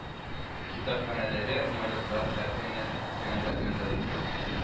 Китапханәдәге уңайлыклар һәркемне канәгатьләндерерлек